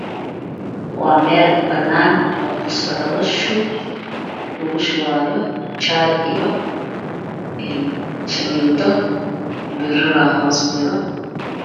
Waa mel banan oo kusocodo shuub laku shubayo jaay shamido biro aa hoosjiro